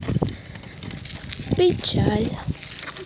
печаль